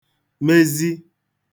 mezi